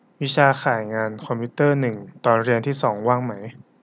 วิชาข่ายงานคอมพิวเตอร์หนึ่งตอนเรียนที่สองว่างไหม